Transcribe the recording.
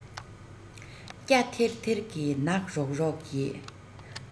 སྐྱ ཐེར ཐེར གྱི ནག རོག རོག གི